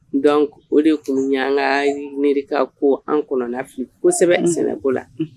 Nka o de tun yan kainɛ ko an kɔnɔna fili kosɛbɛ sɛnɛko la